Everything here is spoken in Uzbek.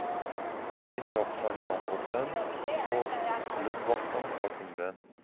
sekin yoqqan yomg'irdan qo'rq kulib boqqan hokimdan